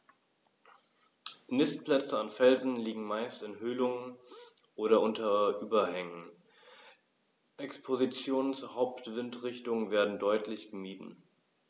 Nistplätze an Felsen liegen meist in Höhlungen oder unter Überhängen, Expositionen zur Hauptwindrichtung werden deutlich gemieden.